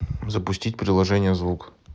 запустить приложение звук